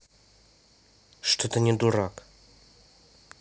что то не дурак